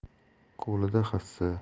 qo'lida hassa